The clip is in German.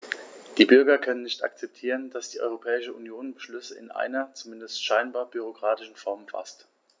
Die Bürger können nicht akzeptieren, dass die Europäische Union Beschlüsse in einer, zumindest scheinbar, bürokratischen Form faßt.